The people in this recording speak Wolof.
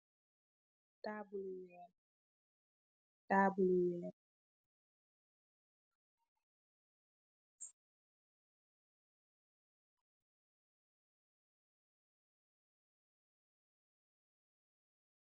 Table werr, table werr.